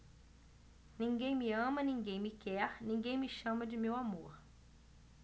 ninguém me ama ninguém me quer ninguém me chama de meu amor